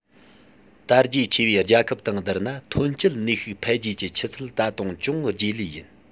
དར རྒྱས ཆེ བའི རྒྱལ ཁབ དང བསྡུར ན ཐོན སྐྱེད ནུས ཤུགས འཕེལ རྒྱས ཀྱི ཆུ ཚད ད དུང ཅུང རྗེས ལུས ཡིན